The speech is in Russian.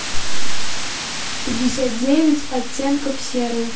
пятьдесят девять оттенков серого